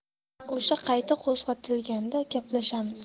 o'sha qayta qo'zg'otilganda gaplashamiz